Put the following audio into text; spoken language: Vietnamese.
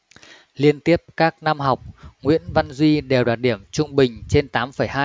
liên tiếp các năm học nguyễn văn duy đều đạt điểm trung bình trên tám phẩy hai